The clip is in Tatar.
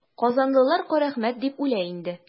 Казанлылар Карәхмәт дип үлә инде.